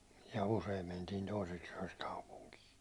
ja usein mentiin toiseksi yöksi kaupunkiin